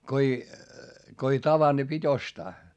kun ei kun ei tavannut niin piti ostaa